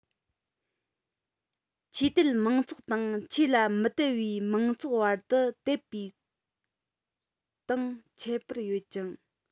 ཆོས དད མང ཚོགས དང ཆོས ལ མི དད པའི མང ཚོགས བར དུ དད པའི སྟེང ཁྱད པར ཡོད ཀྱང